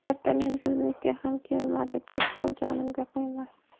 dartanyan biznikiga ham kelmadimi deb hol jonimga qo'ymasdi